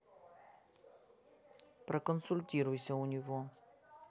проконсультируйся у него